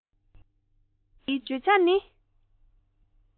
ངའི སྒྲུང གཏམ འདིའི བརྗོད བྱ ནི